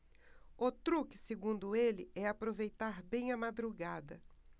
o truque segundo ele é aproveitar bem a madrugada